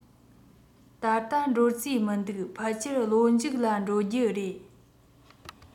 ད ལྟ འགྲོ རྩིས མི འདུག ཕལ ཆེར ལོ མཇུག ལ འགྲོ རྒྱུ རེད